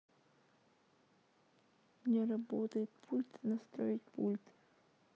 не работает пульт настроить пульт